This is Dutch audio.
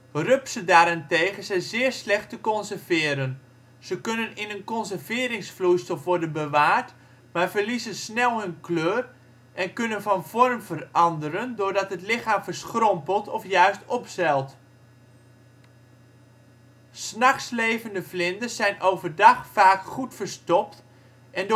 Rupsen daarentegen zijn zeer slecht te conserveren, ze kunnen in een conserveringsvloeistof worden bewaard maar verliezen snel hun kleur en kunnen van vorm veranderen doordat het lichaam verschrompelt of juist opzwelt. ' s Nachts levende vlinders zijn overdag vaak goed verstopt en